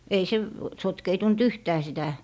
ei se sotkeutunut yhtään sitä